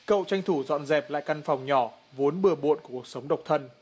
cậu tranh thủ dọn dẹp lại căn phòng nhỏ vốn bừa bộn của cuộc sống độc thân